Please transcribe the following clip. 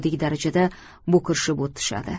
darajada bo'kirishib o'tishadi